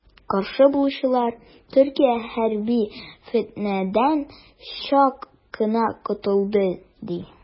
Каршы булучылар, Төркия хәрби фетнәдән чак кына котылды, ди.